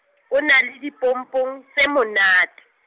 o na le dipompong, tse monate.